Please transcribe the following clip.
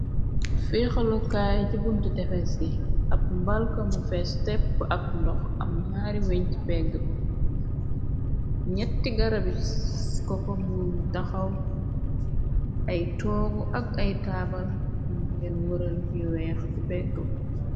fiixalukaay ci bunte defees gi ab mbalka mu fee tepp ab ndox am ñaari weñ ci pegg bi ñetti garabi kokomo ni taxaw ay toogu ak ay taabal nu ngen wërale yu weex ci pegg bi